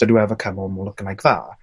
don you ever come 'ome looking like tha'.